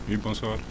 oui bonsoir